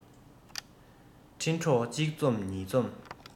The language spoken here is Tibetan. འཕྲིན གྲོགས གཅིག འཛོམས གཉིས འཛོམས